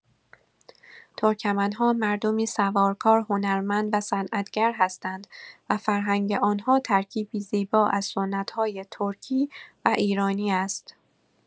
ترکمن‌ها مردمی سوارکار، هنرمند و صنعتگر هستند و فرهنگ آن‌ها ترکیبی زیبا از سنت‌های ترکی و ایرانی است.